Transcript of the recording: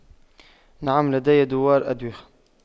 نعم لدي دوار أدوخة